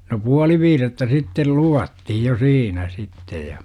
no puoli viidettä sitten luvattiin jo siinä sitten ja